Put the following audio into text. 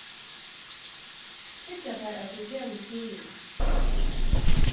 tryggja tær at tú kemur til tíðina